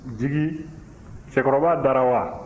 jigi cɛkɔrɔba dara wa